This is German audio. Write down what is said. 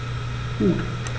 Gut.